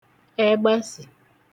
ẹgbẹsị